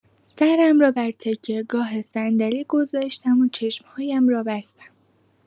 سرم را بر تکیه‌گاه صندلی گذاشتم و چشم‌هایم را بستم.